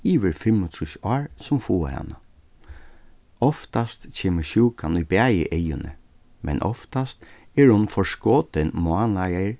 yvir fimmogtrýss ár sum fáa hana oftast kemur sjúkan í bæði eyguni men oftast er hon forskotin mánaðir